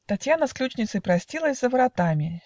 Татьяна с ключницей простилась За воротами.